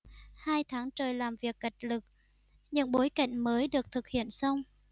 hai tháng trời làm việc cật lực những bối cảnh mới được thực hiện xong